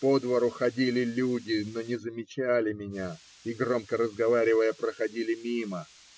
По двору ходили люди, но не замечали меня и, громко разговаривая, проходили мимо.